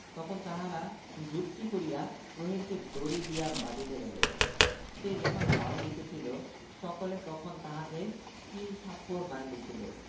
সে চোখ গরম করিয়া বলিল সেই শোলমাছ কি করিয়াছিস শীগগীর বল বউ যেন আকাশ হইতে পড়িল এমনি ভাব দেখাইয়া বলিল কই মাছ কোথায়